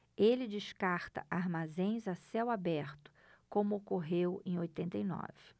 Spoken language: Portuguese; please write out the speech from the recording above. ele descarta armazéns a céu aberto como ocorreu em oitenta e nove